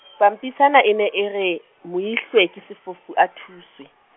pampitshana e ne e re, moihlwe ke sefofu a thuswe.